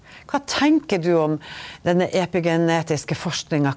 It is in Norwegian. kva tenker du om denne epigenetiske forskinga?